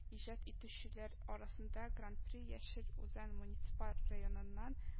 Иҗат итүчеләр арасында гран-при яшел үзән муниципаль районыннан